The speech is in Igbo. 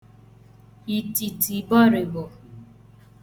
ìtìtìbọrị̀bọ̀